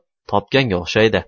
topganga o'xshaydi